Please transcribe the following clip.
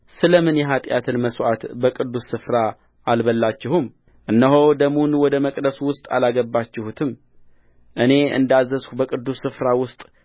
ስለ ምን የኃጢያትን መሥዋዕት በቅዱሱ ስፍራ አልበላችሁም እነሆ ደሙን ወደ መቅደሱ ውስጥ አላገባችሁትም እኔ እንዳዘዝሁ በቅዱሱ ስፍራ ውስጥ